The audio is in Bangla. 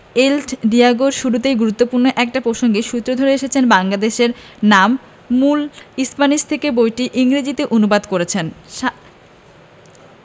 এল ডিয়েগো র শুরুতেই গুরুত্বপূর্ণ একটা প্রসঙ্গের সূত্র ধরে এসেছে বাংলাদেশের নাম মূল স্প্যানিশ থেকে বইটি ইংরেজিতে অনু্বাদ করেছেন সা